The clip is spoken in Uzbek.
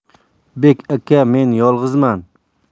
bek aka men yolg'izman